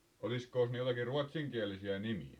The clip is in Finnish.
olisikos ne jotakin ruotsinkielisiä nimiä